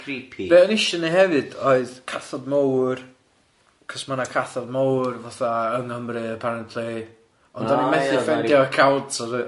Be o'n i isio neud hefyd oedd cathod mowr, cos ma' na cathod mowr fatha yng Nghymru apparently, ond o'n i methu ffeindio account oedd yy oedd.